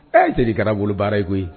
Ee cɛ nin kɛra bolo baara ye koyi.